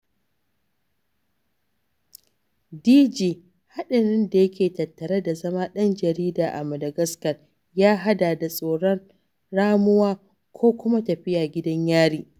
DG: Haɗarin da yake tattare da zama ɗan jarida a Madagascar ya haɗa da tsoron ramuwa ko kuma tafiya gidan Yari.